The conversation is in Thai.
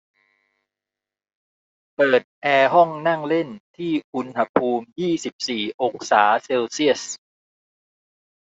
เปิดแอร์ห้องนั่งเล่นที่อุณหภูมิยี่สิบสี่องศาเซลเซียส